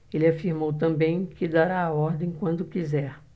ele afirmou também que dará a ordem quando quiser